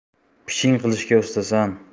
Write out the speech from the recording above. piching qilishga ustasan